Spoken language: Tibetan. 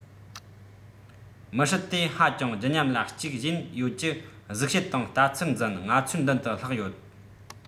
མི སྲིད དེ ཧ ཅང བརྗིད ཉམས ལ གཅིག གཞན ཡོད ཀྱི གཟུགས བྱད དང ལྟ ཚུལ འཛིན ང ཚོའི མདུན དུ ལྷགས ཡོད